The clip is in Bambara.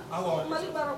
Aw